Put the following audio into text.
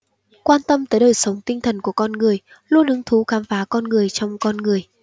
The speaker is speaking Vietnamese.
quan tâm tới đời sống tinh thần của con người luôn hứng thú khám phá con người trong con người